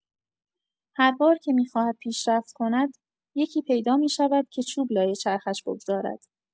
هر بار که می‌خواهد پیشرفت کند، یکی پیدا می‌شود که چوب لای چرخش بگذارد.